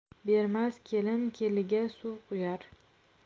bermas kelin keliga suv quyar